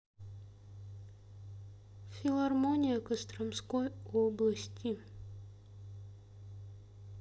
филармония костромской области